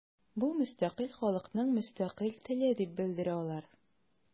Бу – мөстәкыйль халыкның мөстәкыйль теле дип белдерә алар.